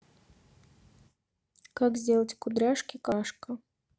как сделать кудряшки как у барашка